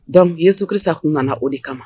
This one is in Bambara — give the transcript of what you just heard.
Donc Jésus Christ tun nana, o de kama.